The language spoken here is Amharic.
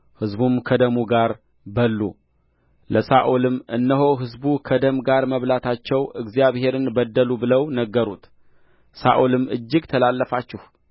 ሕዝቡም ከደሙ ጋር በሉ ለሳኦልም እነሆ ሕዝቡ ከደሙ ጋር በመብላታቸው እግዚአብሔርን በደሉ ብለው ነገሩት ሳኦልም እጅግ ተላለፋችሁ